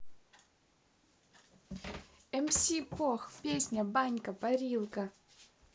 mc пох песня банька парилка